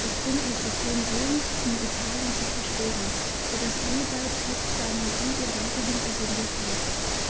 das Bündnissystem Roms in Italien zu zerstören, sodass Hannibal trotz seiner Siege weitgehend isoliert blieb.